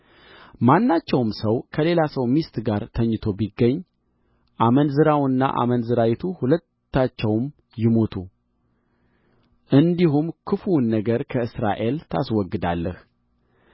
ማናቸውም ሰው ከሌላ ሰው ሚስት ጋር ተኝቶ ቢገኝ አመንዝራውና አመንዝራይቱ ሁለታቸው ይሙቱ እንዲሁም ክፉውን ነገር ከእስራኤል ታስወግዳለህ